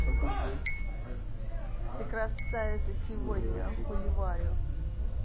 ты красавица сегодня охуеваю